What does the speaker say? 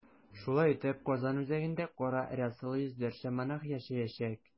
Шулай итеп, Казан үзәгендә кара рясалы йөзләрчә монах яшәячәк.